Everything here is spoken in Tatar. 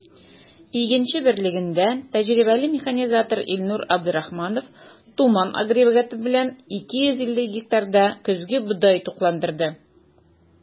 “игенче” берлегендә тәҗрибәле механизатор илнур абдрахманов “туман” агрегаты белән 250 гектарда көзге бодай тукландырды.